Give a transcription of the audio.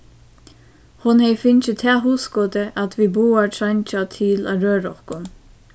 hon hevði fingið tað hugskotið at vit báðar treingja til at røra okkum